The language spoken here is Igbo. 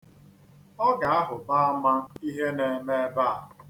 Ọ ga-ahụba ama ihe na-eme ebe a.